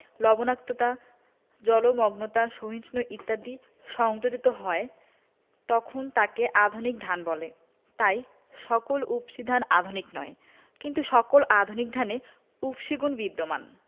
লবনাক্ততা জলমগ্নতা সহিষ্ণু ইত্যাদি সংযোজিত হয় তখন তাকে আধুনিক ধান বলে তাই সকল উফশী ধান আধুনিক নয় কিন্তু সকল আধুনিক ধানে উফশী গুণ বিদ্যমান